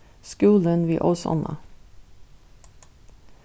skúlin við ósánna